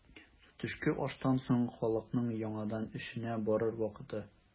Төшке аштан соң халыкның яңадан эшенә барыр вакыты.